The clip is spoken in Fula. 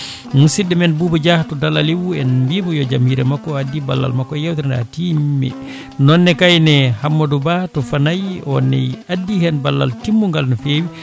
musidɗo men Boubou Dia to Daal Aliou en mbimo yo jaam hiire makko o addi ballal makkoe yewtere nde ha timmi nonne kayne Hammadou Ba to Fanayi onne addi hen ballal timmu gal no fewi